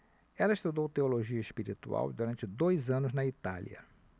ela estudou teologia espiritual durante dois anos na itália